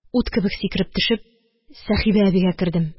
Ут кебек сикереп төшеп, Сәхибә әбигә кердем: